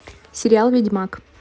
сериал ведьмак